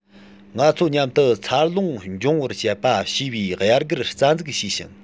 ང ཚོ མཉམ དུ འཚར ལོངས འབྱུང བར བྱེད པ ཞེས པའི དབྱར སྒར རྩ འཛུགས བྱས ཤིང